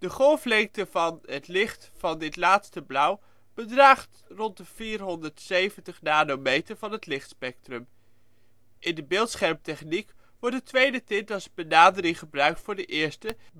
golflengte van van het licht van dit laatste blauw bedraagt rond 470 nanometer van het lichtspectrum. In de beeldschermtechniek wordt de tweede tint als een benadering gebruikt voor de eerste; het